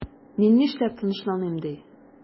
Мин нишләп тынычланыйм ди?